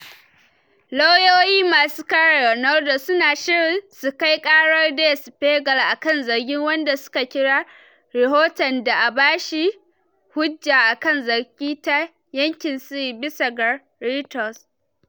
Lauyoyi masu kare Ronaldo su na shirin su kai ƙarar Der Spiegel akan zargin, wanda suka kira “Rihoton da bashi da hujja akan zargi ta yankin sirri,” bisa ga Reuters.